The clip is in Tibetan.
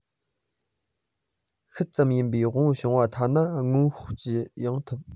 ཤུལ ཙམ ཡིན པའི དབང པོ འབྱུང བ ཐ ན སྔོན དཔག བགྱི ཡང ཐུབ